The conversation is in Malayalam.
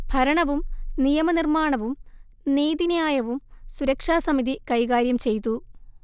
ഭരണവും നിയമനിർമ്മാണവും നീതിന്യായവും സുരക്ഷാസമിതി കൈകാര്യം ചെയ്തു